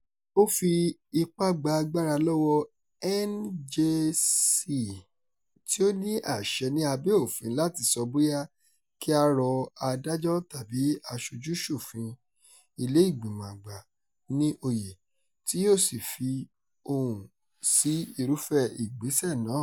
Ó fi ipá gba agbára lọ́wọ́ NJC tí ó ní àṣẹ ní abẹ́ òfin láti sọ bóyá kí a rọ adájọ́ tàbí aṣojú-ṣòfin (ilé ìgbìmọ̀ àgbà) ní oyè, tí yóò sì fi ohùn sí irúfẹ́ ìgbésẹ̀ náà.